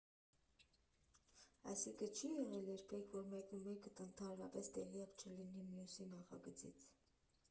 Այսինքն՝ չի եղե՞լ երբեք, որ մեկնումեկդ ընդհանրապես տեղյակ չլինի մյուսի նախագծից։